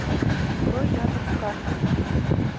открой яндекс карты